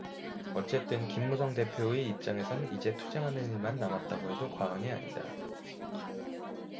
어쨌든 김무성 대표의 입장에선 이제 투쟁하는 일만 남았다고 해도 과언이 아니다